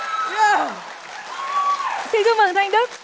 chính xác xin chúc mừng thanh đức